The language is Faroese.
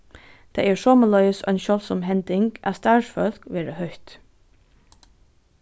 tað er somuleiðis ein sjáldsom hending at starvsfólk verða hótt